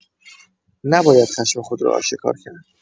نباید خشم خود را آشکار کرد.